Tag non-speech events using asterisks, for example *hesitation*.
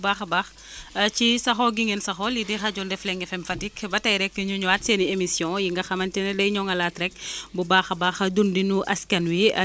sorgho tamit dafa bugg suuf soo xam suuf suy téye ndox ak même ceeb tamit xam nga fii tam dañ fiy béy ceeb au niveau donc de la région *hesitation* ceeb fii la ñu koy béyee département Fatick